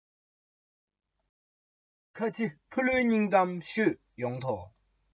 དེ གསུམ འཛོམས ན དང པོའི དང པོ རེད